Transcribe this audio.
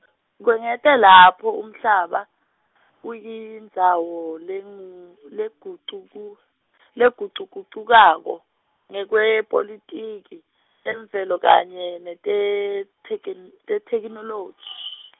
kwengeta lapho, umhlaba, uyindzawo lengu, legucugu-, legucugucukako, ngekwepolitiki, temvelo kanye netethekhin-, tethekhinoloji.